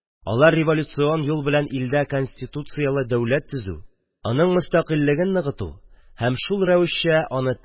Алар революцион юл белән илдә конституцияле дәүләт төзү, аның мөстәкыйльлеген ныгыту һәм шул рәвешчә аны